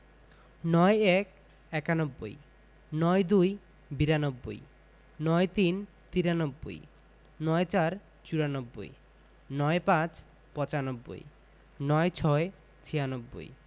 ৯১ - একানব্বই ৯২ - বিরানব্বই ৯৩ - তিরানব্বই ৯৪ – চুরানব্বই ৯৫ - পচানব্বই ৯৬ - ছিয়ানব্বই